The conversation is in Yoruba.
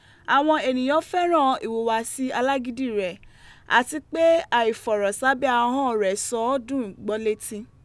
Àwọn ènìyàn fẹ́ràn an ìhùwàsí alágídíi rẹ̀ àti pé àìfọ̀rọ̀ sábẹ́ ahọ́n ọn rẹ̀ dùn ún gbọ́ sétí.